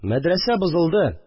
Мәдрәсә бозылды